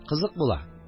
Кызык була